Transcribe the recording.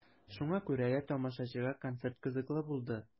Шуңа күрә дә тамашачыга концерт кызыклы булды.